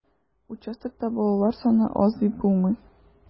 Участокта балалар саны аз дип булмый.